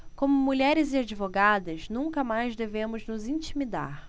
como mulheres e advogadas nunca mais devemos nos intimidar